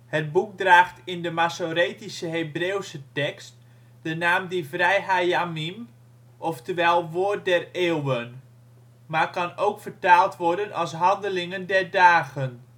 Het boek draagt in het Mazoretisch Hebreeuwse de naam Divrei-HaYamim, oftewel " woord der eeuwen ", maar kan ook vertaald worden als " handelingen der dagen